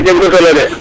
ke leya a jega solo de